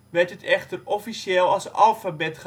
werd het echter officieel als alfabet